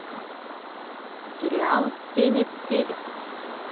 сериал сеняфедя